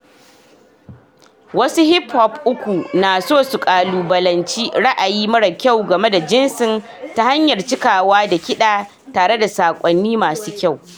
Wasu hip hop uku na so su kalubalanci ra'ayi mara kyau game da jinsin ta hanyar cikawa da kiɗa tare da sakonni masu kyau.